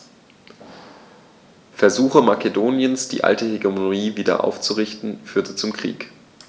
Versuche Makedoniens, die alte Hegemonie wieder aufzurichten, führten zum Krieg.